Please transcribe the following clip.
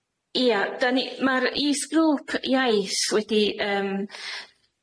Ia, 'dan ni... Ma'r is-grŵp iaith wedi yym